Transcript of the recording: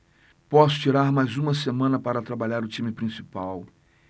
posso tirar mais uma semana para trabalhar o time principal